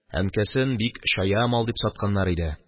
«әнкәсен бик чая мал дип сатканнар иде.